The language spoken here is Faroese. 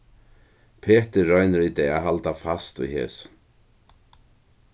petur roynir í dag at halda fast í hesum